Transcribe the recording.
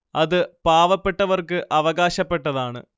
അത് പാവപ്പെട്ടവർക്ക് അവകാശപ്പെട്ടതാണ്